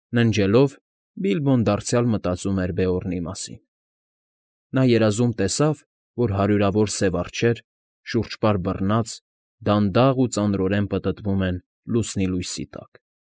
Ննջելով՝ Բիլբոն դարձյալ մտածում էր Բեորնի մասին. նա երազում տեսավ, որ հարյուրավոր սև արջեր, շուրջպար բռնած, դանդաղ ու ծանրորեն պտտվում են լուսնի լույսի տակ։